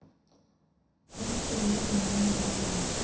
как ты приятно меня называла